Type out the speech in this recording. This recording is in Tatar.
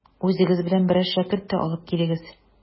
Үзегез белән берәр шәкерт тә алып килегез.